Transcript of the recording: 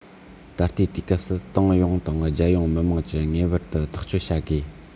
ད ལྟའི དུས སྐབས སུ ཏང ཡོངས དང རྒྱལ ཡོངས མི དམངས ཀྱིས ངེས པར དུ ཐག གཅོད བྱ དགོས